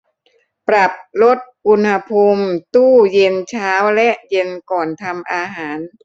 ปรับลดอุณหภูมิตู้เย็นเช้าและเย็นก่อนทำอาหาร